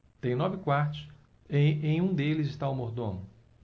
tem nove quartos e em um deles está o mordomo